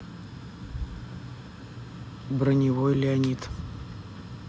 броневой леонид